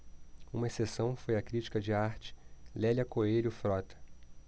uma exceção foi a crítica de arte lélia coelho frota